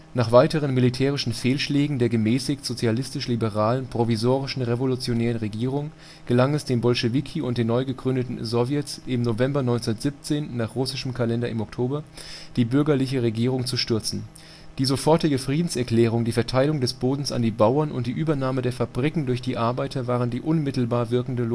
Nach weiteren militärischen Fehlschlägen der gemäßigt sozialistisch-liberalen „ Provisorischen revolutionären Regierung “gelang es den Bolschewiki und den neu gegründeten „ Sowjets “im November 1917 (nach russischem Kalender im Oktober), die bürgerliche Regierung zu stürzen. Die sofortige Friedenserklärung, die Verteilung des Bodens an die Bauern und die Übernahme der Fabriken durch die Arbeiter waren die unmittelbar wirkenden